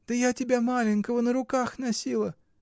Да я тебя маленького на руках носила!